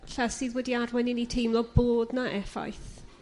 'lla sydd wedi arwain i ni teimlo bod na effaith?